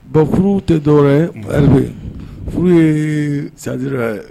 Bon furu tɛ tɔɔrɔ ye ma furu ye sandi ye